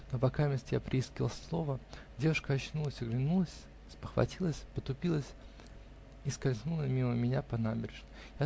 Но покамест я приискивал слово, девушка очнулась, оглянулась, спохватилась, потупилась и скользнула мимо меня по набережной.